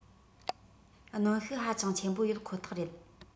གནོན ཤུགས ཧ ཅང ཆེན པོ ཡོད ཁོ ཐག རེད